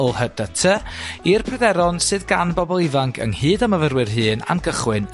yl hy dy ty i'r pryderon sydd gan bobol ifanc ynghyd â myfyrwyr hŷn am gychwyn